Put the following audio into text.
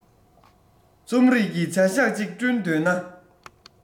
རྩོམ རིག གི བྱ བཞག ཅིག བསྐྲུན འདོད ན